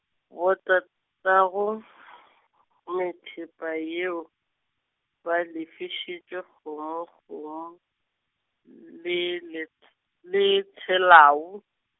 botatago , methepa yeo, ba lefišitšwe kgomo kgomo, l- le le t-, le tshelau.